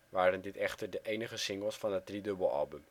waren dit echter de enige singles van het driedubbelalbum